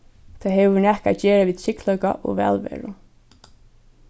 tað hevur nakað at gera við tryggleika og vælveru